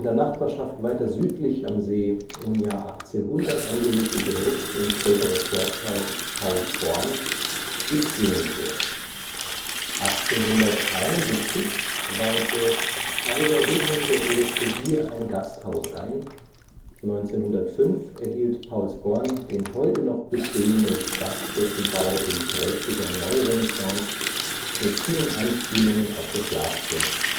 Nachbarschaft weiter südlich am See im Jahr 1800 angelegte Gehöft und spätere Forsthaus Paulsborn ist sehenswert. 1871 weihte Kaiser Wilhelm I. hier ein Gasthaus ein, 1905 erhielt Paulsborn den heute noch bestehenden Gaststättenbau in prächtiger Neurenaissance, mit vielen Anspielungen auf das Jagdschloss